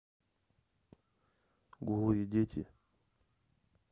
голые дети